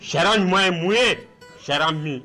Sariya ɲuman ye mun ye, sariya min